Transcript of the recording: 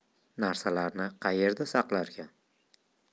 narsalarni qaerda saqlarkan